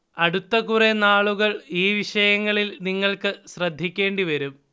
അടുത്തകുറെ നാളുകൾ ഈ വിഷയങ്ങളിൽ നിങ്ങൾക്ക് ശ്രദ്ധിക്കേണ്ടി വരും